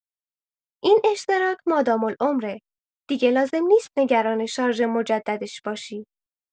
این اشتراک مادام‌العمره، دیگه لازم نیست نگران شارژ مجددش باشی.